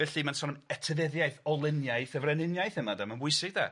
Felly mae'n sôn am etifeddiaeth olyniaeth y Frenhiniaeth yma de, mae'n bwysig de.